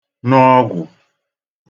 nə̣ ọgwụ̀